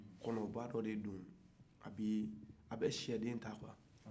kɔnɔba dɔ de don a bɛ sɛden ta quoi